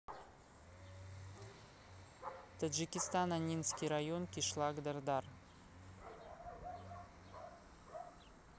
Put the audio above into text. таджикистан аннинский район кишлак дардар